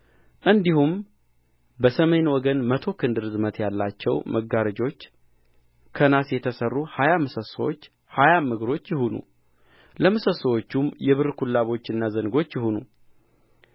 እንዲሁም በሰሜን ወገን መቶ ክንድ ርዝመት ያላቸው መጋረጆች ከናስ የተሠሩ ሀያ ምሶሶች ሀያም እግሮች ይሁኑ ለምሰሶችም የብር ኩላቦችና ዘንጎች ይሁኑ